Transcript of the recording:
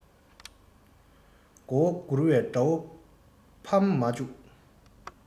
མགོ བོ བསྒུར བའི དགྲ བོ ཕམ མ བཅུག